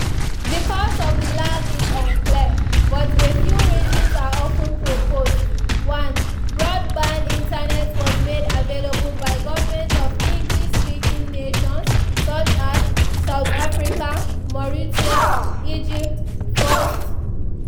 The cause of the lag is unclear but a few reasons are often proposed: 1) broadband internet was made available by governments of English speaking nations such as (South Africa, Mauritius, Egypt) first (fr).